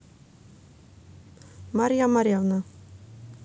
марья моревна